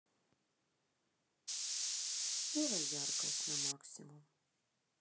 сделай яркость на максимум